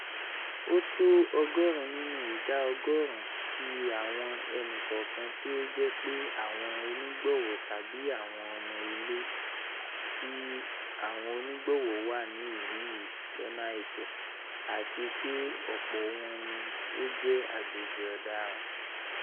"O to 80 nínú ida ọgọrun ti awọn ẹni-kọọkan ti o jẹ pe awọn onigbọwọ tabi awọn ọmọ ile ti awọn onigbọwọ wa ni ilu yii lọna aitọ, ati peọpọ wọn ni o jẹ ajoji ọdaran.